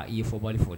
A i ye fɔbali fɔ.